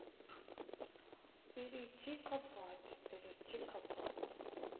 перейти к оплате перейти к оплате